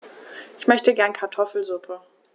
Ich möchte gerne Kartoffelsuppe.